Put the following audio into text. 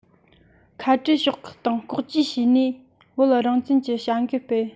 ཁ བྲལ ཕྱོགས ཁག དང ལྐོག ཇུས བྱས ནས བོད རང བཙན གྱི བྱ འགུལ སྤེལ